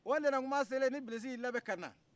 o tɛtɛn kuma selen ni bilisi y'i labɛn ka na